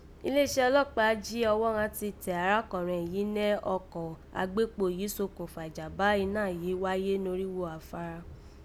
Ilé isẹ́ ọlọ́pàá jí ọwọ́ ghán ti tẹ̀ arákọ̀nrẹn yìí nẹ́ ọkọ̀ agbékpo yìí sokùnfà ìjàm̀bá iná yìí wáyé norígho afárá